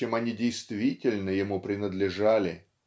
чем они действительно ему принадлежали